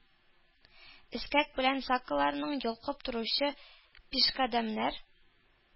Эскәк белән сакалларын йолкып торучы пишкадәмнәр,